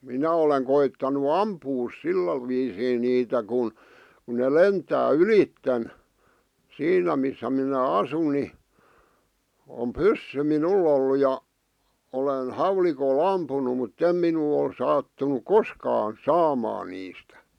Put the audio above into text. minä olen koettanut ampua sillä viisiin niitä kun kun ne lentää ylitse siinä missä minä asun niin on pyssy minulla ollut ja olen haulikolla ampunut mutta ei minulle ole sattunut koskaan saamaan niistä